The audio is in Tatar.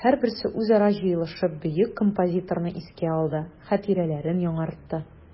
Һәрберсе үзара җыелышып бөек композиторны искә алды, хатирәләрен яңартты.